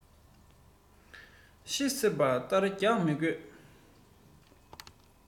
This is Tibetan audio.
ཤིག གསོད པར སྟ རེ འཕྱར མི དགོས